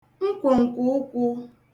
nkwòǹkwòụkwụ̄